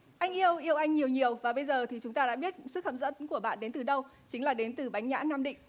anh yêu yêu anh nhiều nhiều và bây giờ thì chúng ta đã biết sức hấp dẫn của bạn đến từ đâu chính là đến từ bánh nhãn nam định